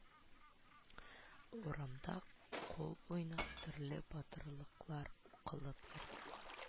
Урамда кул уйнатып, төрле “батырлыклар” кылып йортка